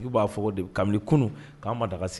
I b'a fɔ de bɛ kabini kunun k'an ma daga sigi